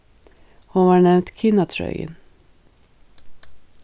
hon varð nevnd kinatrøðin